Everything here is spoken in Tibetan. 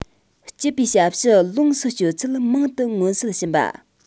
སྤྱི པའི ཞབས ཞུ ལོངས སུ སྤྱོད ཚུལ མང དུ མངོན གསལ ཕྱིན པ